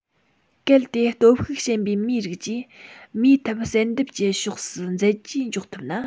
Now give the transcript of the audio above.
གལ ཏེ སྟོབས ཤུགས ཞན པའི མིའི རིགས ཀྱིས མིའི ཐབས བསལ འདེམས ཀྱི ཕྱོགས སུ མཛད རྗེས འཇོག ཐུབ ན